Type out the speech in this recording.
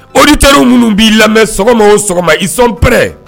Odi terirw minnu b'i lamɛn sɔgɔma o sɔgɔma isɔnpɛ